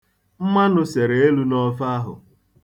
Mmanụ sere elu n'ofe ahụ.